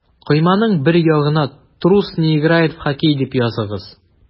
Койманың бер ягына «Трус не играет в хоккей» дип языгыз.